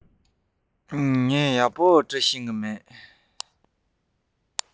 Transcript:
ངས ཡག པོ འབྲི ཤེས ཀྱི མེད